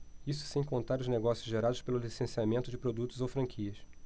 isso sem contar os negócios gerados pelo licenciamento de produtos ou franquias